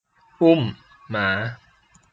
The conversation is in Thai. อุ้มหมา